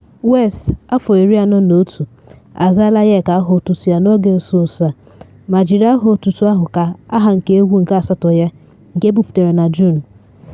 West, afọ 41, azaala Ye ka aha otutu ya n’oge nso nso a ma jiri aha otutu ahụ ka aha nke egwu nke asatọ ya, nke ebuputere na Juun.